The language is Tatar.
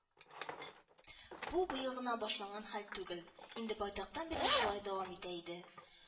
Бу быел гына башланган хәл түгел, инде байтактан бирле шулай дәвам итә иде